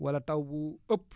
wala taw bu ëpp